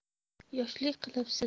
yoshlik qilibsiz